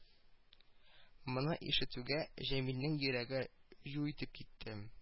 Моны ишетүгә җәмилнең йөрәге жу итеп китте